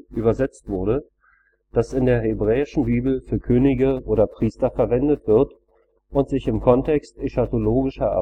übersetzt wurde, das in der hebräischen Bibel für Könige oder Priester verwendet wird, und sich im Kontext eschatologischer